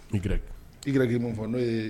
Y, y ye min fɔ n'o ye